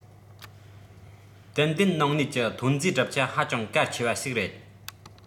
ཏན ཏན ནང གནས ཀྱི ཐོན རྫས གྲུབ ཆ ཧ ཅང གལ ཆེ བ ཞིག རེད